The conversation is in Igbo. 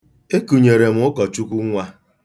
E kunyere ụkọchukwu nwa.